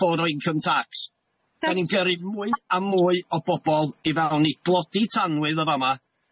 ffwr o income tax, da ni'n gyrru mwy a mwy o bobol i fewn i glodi tanwydd yn fama.